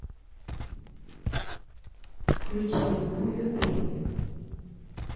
включи любую песню